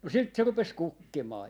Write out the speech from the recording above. no sitten se rupesi kukkimaan